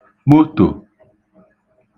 motò